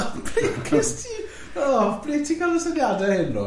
O, ble- gest ti? O, ble ti'n cael y syniadau hyn o?